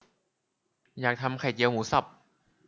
อยากทำไข่เจียวหมูสับ